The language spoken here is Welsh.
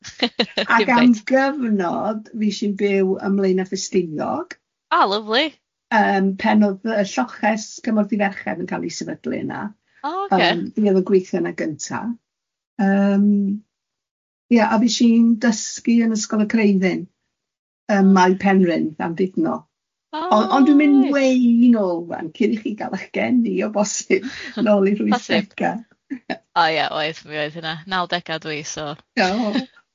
Ac am gyfnod fuish i'n byw ym Mlaenau Ffestiniog. O lyfli! Yym pen o'dd y lloches cymorth i ferched yn ca'l ei sefydlu yna ymm fi o'dd yn gweithio yna gynta yym ia a fush i'n dysgu yn Ysgol y Creuddyn ym Maen Penrhyn, Landudno o- ond dwi'n mynd wei nôl wan cyn i chi gal ych geni o bosib nôl i'r wythdega. O ia oedd mi o'dd huna, nawdega dw i so. Oh!